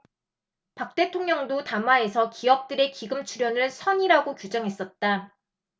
박 대통령도 담화에서 기업들의 기금 출연을 선의라고 규정했었다